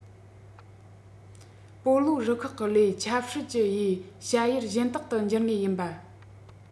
སྤོ ལོ རུ ཁག གི ལས ཆབ སྲིད ཀྱི དབྱེ བྱ ཡུལ གཞན དག ཏུ གྱུར ངེས ཡིན པ